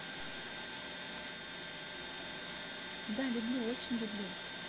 да люблю очень люблю